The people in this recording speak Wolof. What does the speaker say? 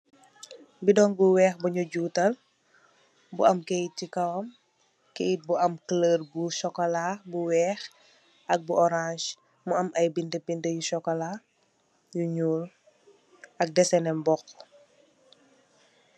Bidong mu wekh buno jutal, bu am kayt ci kawam kayt, kayt bu am colour bi sokola bu wekh ak bu orange mu am ay binda binda yu sokola yu nyol ak decinen mbokh.